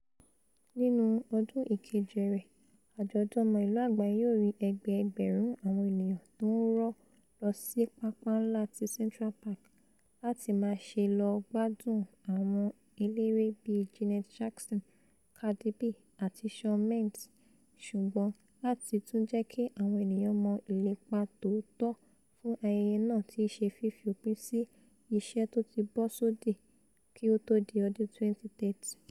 nínú ọdún ìkeje rẹ̀, Àjọ̀dun Ọmọ Ìlú Àgbáyé yóò rí ẹgbẹ-ẹgbẹ̀rún àwọn ènìyàn tó ńrọ́ lọsí Pápá Ńlá ti Central Park láti máṣe lọ gbádùn àwọn eléré bíi Janet Jackson, Cardi B àti Shawn Mendes, ṣùgbọ́n láti tún jẹ́kí àwọn ènìyàn mọ ìlépa tòótọ́ fún ayẹyẹ naa tííṣe fifi òpin sí ìṣẹ́ tóti bọ́sódi kí ó tó di ọdún 2030.